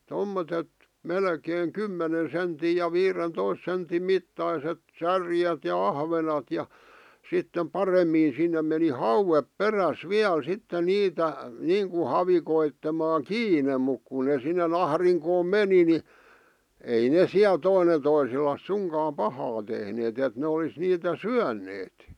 tuommoiset melkein kymmenen sentin ja viidentoista sentin mittaiset särjet ja ahvenet ja sitten paremmin sinne meni hauet perässä vielä sitten niitä niin kuin havikoitsemaan kiinni mutta kun ne sinne ahdinkoon meni niin ei ne siellä toinen toiselleen suinkaan pahaa tehneet että ne olisi niitä syöneet